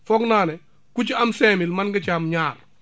foog naa ne ku ci am cinq mille mën nga ci am ñaar